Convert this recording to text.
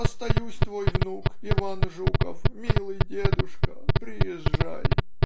Остаюсь твой внук Иван Жуков, милый дедушка, приезжай".